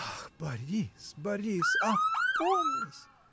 — Ах, Борис, Борис, — опомнись!